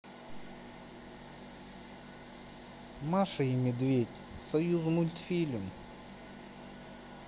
маша и медведь союзмультфильм